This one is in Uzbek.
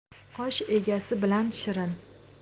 osh egasi bilan shirin